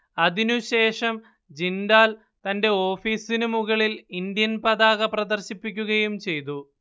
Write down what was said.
അതിനു ശേഷം ജിണ്ടാൽ തന്റെ ഓഫീസിനു മുകളിൽ ഇന്ത്യൻ പതാക പ്രദർശിപ്പിക്കുകയും ചെയ്തു